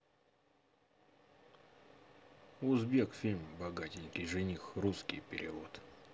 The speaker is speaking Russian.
узбек фильм богатенький жених русский перевод